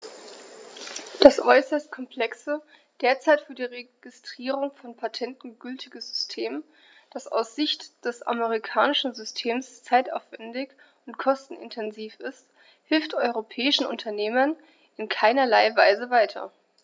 Das äußerst komplexe, derzeit für die Registrierung von Patenten gültige System, das aus Sicht des amerikanischen Systems zeitaufwändig und kostenintensiv ist, hilft europäischen Unternehmern in keinerlei Weise weiter.